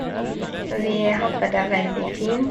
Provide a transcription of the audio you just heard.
Så vi hadde det veldig fin.